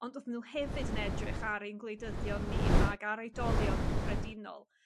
Ond odden nhw hefyd yn edrych ar ein gwleidyddion ni ag ar oedolion yn gyffredinol.